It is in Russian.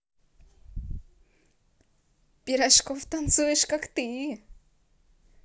пирожков танцуешь как ты